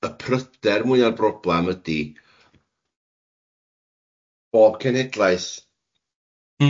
Y pryder mwya'r broblam ydy, bob cenedlaeth... Mm